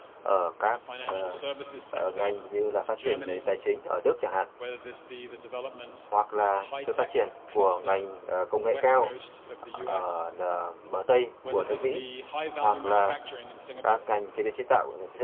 ở các sở ngành như là phát triển nền tài chính ở đức chẳng hạn hoặc là sự phát triển của ngành công nghệ cao ở bờ tây của tử sĩ hoặc là các ngành chế biến chế tạo chất